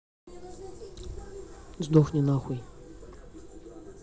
сдохни нахуй